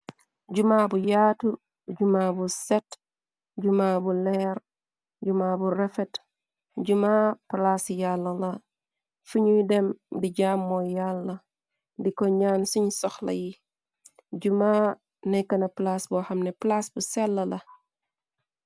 Juma bu yaatu juma bu set juma bu leer juma bu refet juma plaasi yàlla la fi ñuy dem di jam mooy yàlla di ko naan siñ soxla yi juma nekkana plaas bu xamne palaas bu sella la.